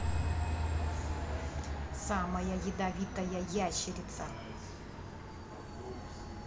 самая ядовитая ящерица